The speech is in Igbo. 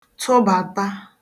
tụbàta